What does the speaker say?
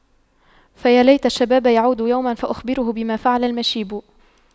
فيا ليت الشباب يعود يوما فأخبره بما فعل المشيب